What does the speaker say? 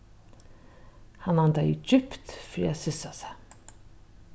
hann andaði djúpt fyri at sissa seg